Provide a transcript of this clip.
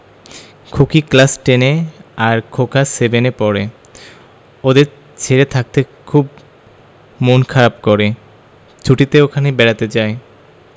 খুকি class ten এ আর খোকা সেভেন এ পড়ে ওদের ছেড়ে থাকতে খুব মন খারাপ করে ছুটিতে ওখানে বেড়াতে যাই